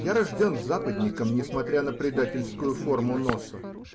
Я рожден западником, несмотря на предательскую форму носа.